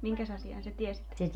minkäs asian se tiesi teille